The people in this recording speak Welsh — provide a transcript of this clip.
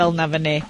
...fel 'na fyny.